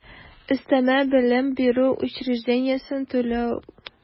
Өстәмә белем бирү учреждениесенә түләү